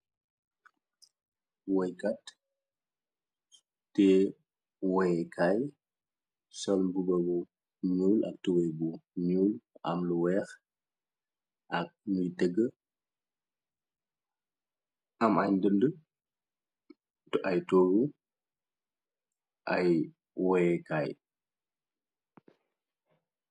Woykat te woekaay sol bubabu nul ak tuwéy bu nul am lu weex ak nuy tegg am ay ndënd ay tooru ay woékaay.